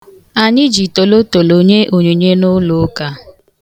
Anyị ji tolotolo nye onyinye n'ụlụụka.